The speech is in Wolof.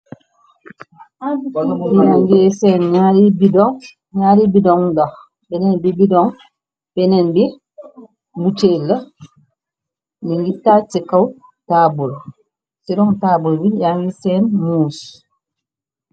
Ay nge seen ñaari bidon ñaari bidoŋ ndoh benen bi bidoŋ benen bi buteel la nu ngi tal ci kaw taabul ci ron taabl ya nge seen muus.